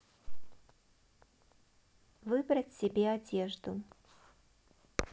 выбрать себе одежду